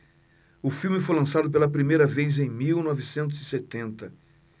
o filme foi lançado pela primeira vez em mil novecentos e setenta